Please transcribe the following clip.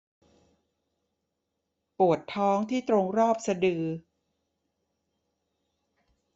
ปวดท้องที่ตรงรอบสะดือ